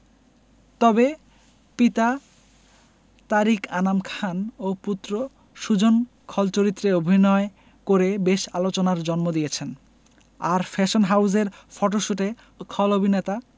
তবে পিতা তারিক আনাম খান ও পুত্র সুজন খল চরিত্রে অভিনয় করে বেশ আলোচনার জন্ম দিয়েছেন আর ফ্যাশন হাউজের ফটোশুটে খল অভিনেতা